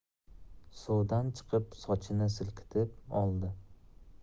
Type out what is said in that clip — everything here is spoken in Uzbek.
suvdan chiqib sochini silkitib oldi